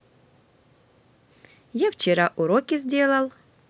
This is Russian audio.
я вчера уроки сделал